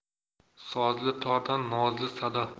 sozli tordan nozli sado